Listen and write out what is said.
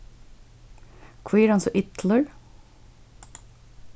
hví er hann er so illur